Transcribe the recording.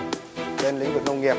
trên lĩnh vực nông nghiệp